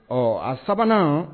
Ɔ a sabanan